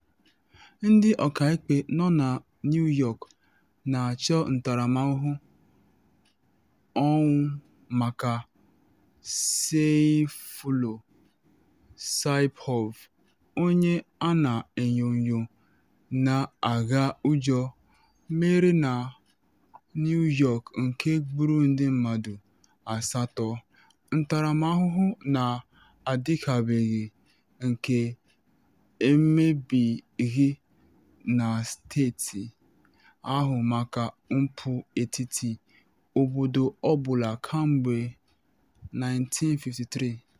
Ndị ọkaikpe nọ na New York na achọ ntaramahụhụ ọnwụ maka Sayfullo Saipov, onye a na enyo enyo na agha ụjọ mere na New York nke gburu ndị mmadụ asatọ -- ntaramahụhụ na adịkabeghị nke emebeghị na steeti ahụ maka mpụ etiti obodo ọ bụla kemgbe 1953.